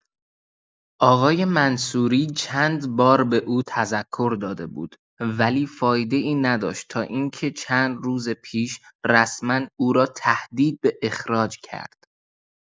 آقای منصوری چند بار به او تذکر داده بود، ولی فایده‌ای نداشت تا این‌که چند روز پیش رسما او را تهدید به اخراج کرد.